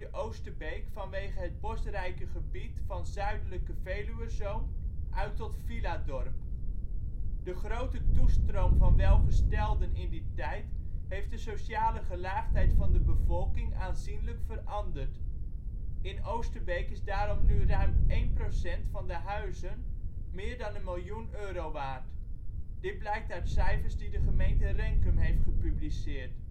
Oosterbeek, vanwege het bosrijke gebied van zuidelijke Veluwezoom, uit tot villadorp. De grote toestroom van welgestelden in die tijd heeft de sociale gelaagdheid van de bevolking aanzienlijk veranderd. In Oosterbeek is daarom nu ruim één procent van de huizen meer dan een miljoen euro waard. Dit blijkt uit cijfers die de Gemeente Renkum heeft gepubliceerd